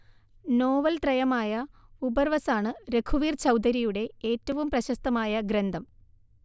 നോവൽത്രയമായ ഉപർവസാണ് രഘുവീർ ചൗധരിയുടെ ഏറ്റവും പ്രശസ്തമായ ഗ്രന്ഥം